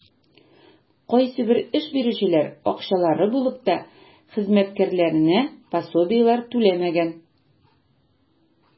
Кайсыбер эш бирүчеләр, акчалары булып та, хезмәткәрләренә пособиеләр түләмәгән.